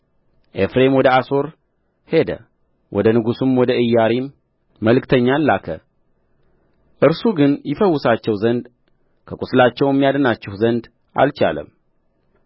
ኤፍሬም ወደ አሦር ሄደ ወደ ንጉሡም ወደ ኢያሪም መልእክተኛን ላከ እርሱ ግን ይፈውሳችሁ ዘንድ ከቊስላችሁም ያድናችሁ ዘንድ አልቻለም